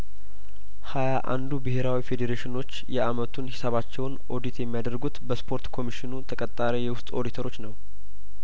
ሀያአንዱ ብሄራዊ ፌዴሬሽኖች የአመቱን ሂሳባቸውን ኦዲት የሚያደርጉት በስፖርት ኮሚሽኑ ተቀጣሪ የውስጥ ኦዲተሮች ነው